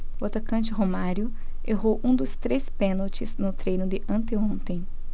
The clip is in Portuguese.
o atacante romário errou um dos três pênaltis no treino de anteontem